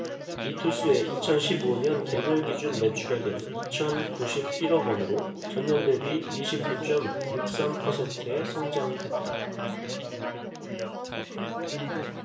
이투스의 이천 십 오 년 개별기준 매출액은 이천 구십 일 억원으로 전년 대비 이십 구 쩜 육 삼 퍼센트의 성장했다